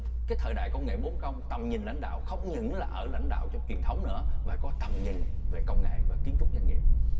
cái thời đại công nghệ bốn chấm không tầm nhìn lãnh đạo không những là ở lãnh đạo trong truyền thống nữa phải có tầm nhìn về công nghệ và kiến trúc doanh nghiệp